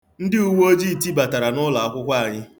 Ndị uwe ojii tibatara n'ụlọ akwụkwọ anyị.